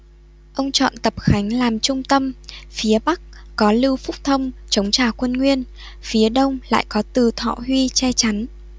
ông chọn tập khánh làm trung tâm phía bắc có lưu phúc thông chống trả quân nguyên phía đông lại có từ thọ huy che chắn